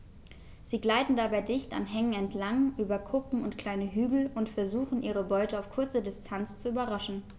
Sie gleiten dabei dicht an Hängen entlang, über Kuppen und kleine Hügel und versuchen ihre Beute auf kurze Distanz zu überraschen.